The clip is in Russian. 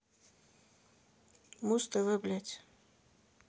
муз тв блядь